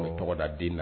Ɔɔ o tɔgɔ da den na